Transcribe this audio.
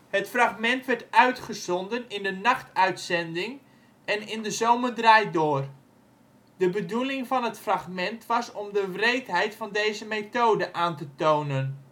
Het fragment werd uitgezonden in de nachtuitzending en in De zomer draait door. De bedoeling van het fragment was om de wreedheid van deze methode aan te tonen